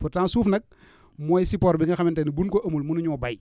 pourtant suuf nag mooy support bi nga xamante ne bu ñu ko amul munuñoo béy